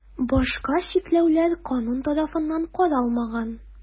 Башка чикләүләр канун тарафыннан каралмаган.